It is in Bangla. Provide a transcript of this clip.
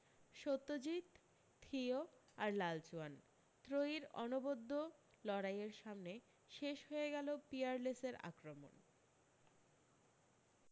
সত্যজিত থিও আর লালচুয়ান ত্রয়ীর অনবদ্য লড়াইয়ের সামনে শেষ হয়ে গেল পিয়ারলেসের আক্রমণ